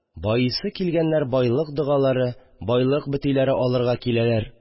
Байысы килгәннәр байлык догалары, байлык бөтиләре алырга киләләр.